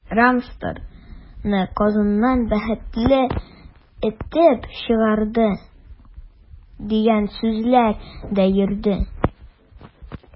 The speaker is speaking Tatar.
“рамстор”ны казаннан “бәхетле” этеп чыгарды, дигән сүзләр дә йөрде.